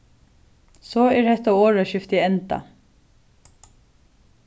so er hetta orðaskiftið endað